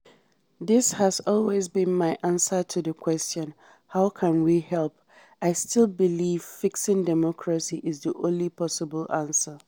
This has always been my answer to the question "how can we help?" I still believe [fixing democracy] is the only possible answer.